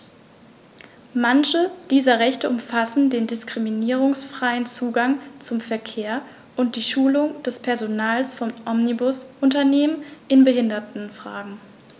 Manche dieser Rechte umfassen den diskriminierungsfreien Zugang zum Verkehr und die Schulung des Personals von Omnibusunternehmen in Behindertenfragen.